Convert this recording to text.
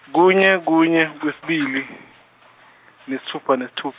kunye kunye okwesibili nesithupha nesithup-.